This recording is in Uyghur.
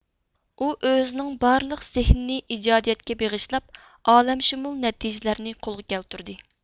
ئۇ ئۆزىنىڭ بارلىق زىھنىنى ئىجادىيەتكە بېغىشلاپ ئالەمشۇمۇل نەتىجىلەرنى قولغا كەلتۈردى